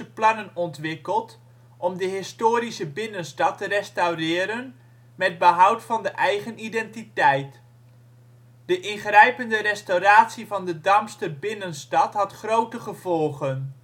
plannen ontwikkeld om de historische binnenstad te restaureren met behoud van de eigen identiteit. De ingrijpende restauratie van de Damster binnenstad had grote gevolgen